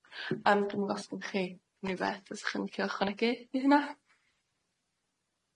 Yym dw'm bo 's gynno chi unrhyw beth fysa chi'n licio ychwanegu i hynna?